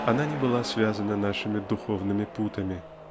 Она не была связана нашими духовными путами.